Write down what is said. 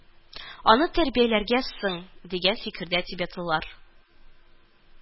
Аны тәрбияләргә соң, дигән фикердә тибетлылар